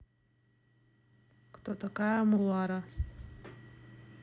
кто такая мулара